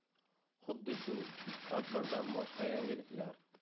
xuddi shu tadbirdan boshqa yangiliklar